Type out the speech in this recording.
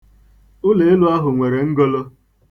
Ụleelu ahụ nwere ngolo.